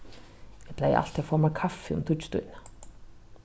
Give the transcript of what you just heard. eg plagi altíð at fáa mær kaffi um tíggjutíðina